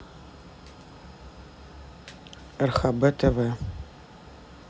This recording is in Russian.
рхб тв